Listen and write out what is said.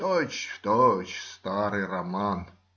"Точь-в-точь старый роман!"